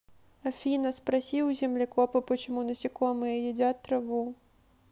афина спроси у землекопа почему насекомые едят траву